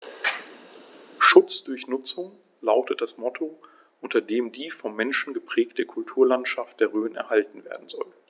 „Schutz durch Nutzung“ lautet das Motto, unter dem die vom Menschen geprägte Kulturlandschaft der Rhön erhalten werden soll.